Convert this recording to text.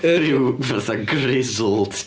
Yr rhyw fatha grizzled...